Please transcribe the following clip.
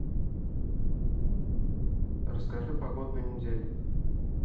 расскажи погоду на неделю